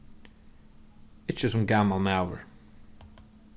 ikki sum gamal maður